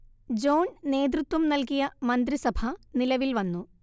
John നേതൃത്വം നൽകിയ മന്ത്രിസഭ നിലവിൽ വന്നു